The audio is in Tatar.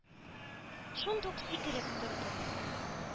Шундук сикереп торды.